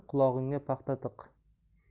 qulog'ingga paxta tiq